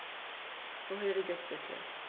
Vorheriges bitte.